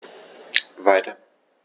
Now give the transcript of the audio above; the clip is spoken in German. Weiter.